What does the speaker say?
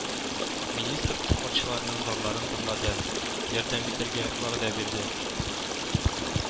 Министр спортчыларның зарларын тыңлады, ярдәм итәргә вәгъдә бирде